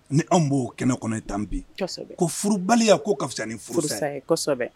Ni anw b'o kɛnɛ kɔnɔ ye tan bibaliya ko fisa nisɛbɛ